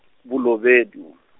Bolobedu.